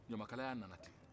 ɲamakalaya nana tan